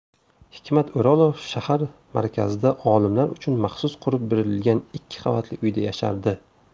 hikmat o'rolov shahar markazida olimlar uchun maxsus qurib berilgan ikki qavatli uyda yashardi